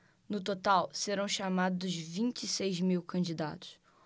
no total serão chamados vinte e seis mil candidatos